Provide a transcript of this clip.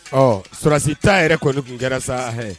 Ɔ sɔrédasita yɛrɛ kɔni tun kɛra sa hɛ